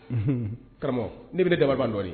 Un karamɔgɔ ne bɛna dabandɔ di